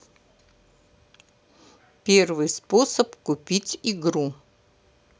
первый способ купить игру